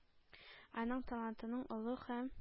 Аның талантының олы һәм